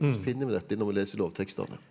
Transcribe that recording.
hvordan finner vi dette når vi leser lovtekstene?